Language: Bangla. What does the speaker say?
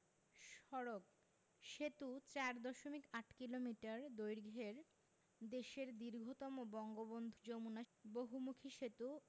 সড়কঃ সেতু ৪ দশমিক ৮ কিলোমিটার দৈর্ঘ্যের দেশের দীর্ঘতম বঙ্গবন্ধু যমুনা বহুমুখী সেতু